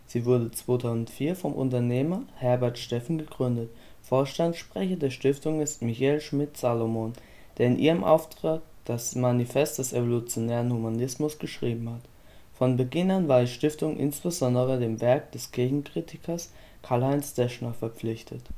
Sie wurde 2004 vom Unternehmer Herbert Steffen gegründet. Vorstandssprecher der Stiftung ist Michael Schmidt-Salomon, der in ihrem Auftrag das Manifest des Evolutionären Humanismus geschrieben hat. Von Beginn an war die Stiftung insbesondere dem Werk des Kirchenkritikers Karlheinz Deschner verpflichtet